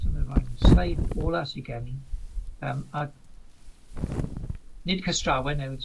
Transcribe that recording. Symud ymlaen, sleid ola sy gen i yym ag nid cystrawen newydd